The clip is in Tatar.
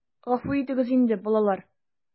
Гафу итегез инде, балалар...